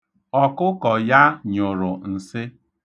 Ọkụkọ ya nyụrụ nsị.